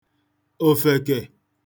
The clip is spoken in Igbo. òfèkè